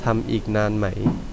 ทำอีกนานไหม